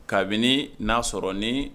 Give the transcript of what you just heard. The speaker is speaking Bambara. Kabini n'a sɔrɔ ni